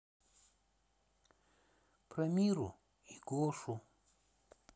про миру и гошу